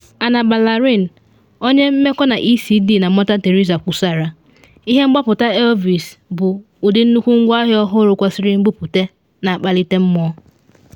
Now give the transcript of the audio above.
Ana Balarin, onye mmeko na ECD na Mother kwukwasara: “Ihe Mgbaputa Elvie bụ ụdị nnukwu ngwaahịa ọhụrụ kwesịrị mbupute na akpalite mmụọ.